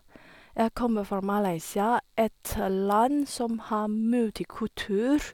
Jeg kommer fra Malaysia, et land som har multikultur.